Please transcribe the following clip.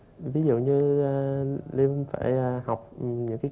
ví dụ như liêm phải học những